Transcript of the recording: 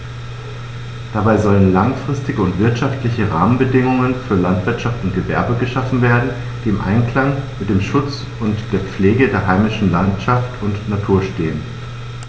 Dabei sollen langfristige und wirtschaftliche Rahmenbedingungen für Landwirtschaft und Gewerbe geschaffen werden, die im Einklang mit dem Schutz und der Pflege der heimischen Landschaft und Natur stehen.